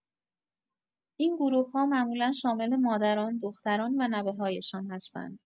این گروه‌ها معمولا شامل مادران، دختران و نوه‌هایشان هستند.